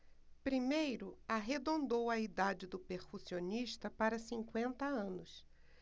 primeiro arredondou a idade do percussionista para cinquenta anos